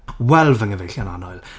Wel fy nghyfeillion annwyl...